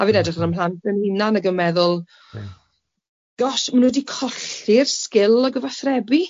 A fi'n edrych ar 'y mhlant fy hunan ac yn meddwl, gosh maen n'w 'di colli'r sgil o gyfathrebu.